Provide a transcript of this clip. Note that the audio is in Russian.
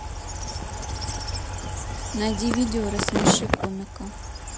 найди видео рассмеши комика